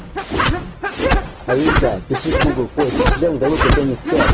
алиса пиши в google поиск член залупа пенис хер